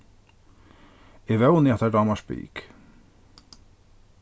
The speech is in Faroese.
eg vóni at tær dámar spik